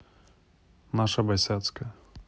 наша босятская